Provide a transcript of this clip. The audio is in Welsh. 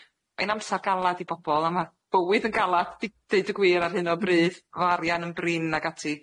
Ma' 'i'n amsar galad i bobol, a ma' bywyd yn galad i deud y gwir ar hyn o bryd, efo arian yn brin ag ati.